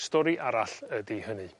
stori arall ydi hynny.